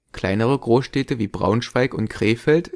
Kleinere Großstädte wie Braunschweig und Krefeld